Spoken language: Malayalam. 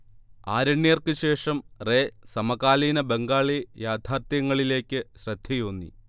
ആരണ്യർക്ക് ശേഷം റേ സമകാലീന ബംഗാളി യാഥാർത്ഥ്യങ്ങളിലേയ്ക്ക് ശ്രദ്ധയൂന്നി